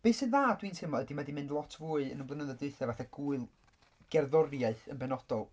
Be sy'n dda dwi'n teimlo ydi, mae 'di mynd lot fwy yn y blynyddoedd dwytha fatha gwyl gerddoriaeth yn benodol.